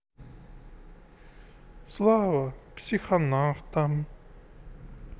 слава психонавтам